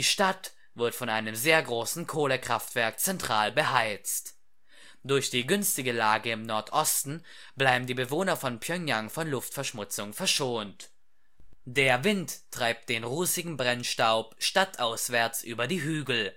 Stadt wird von einem sehr großen Kohlekraftwerk zentral beheizt. Durch die günstige Lage im Nordosten bleiben die Bewohner von Pjöngjang von Luftverschmutzung verschont. Der Wind treibt den rußigen Brennstaub stadtauswärts über die Hügel.